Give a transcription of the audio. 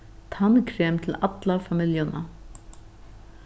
tannkrem til alla familjuna